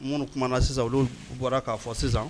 Munun kuma na sisan olu bɔra ka fɔ sisan.